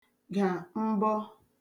gà mbọ